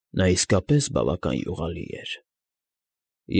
Նա իսկապես բավական յուղալի էր։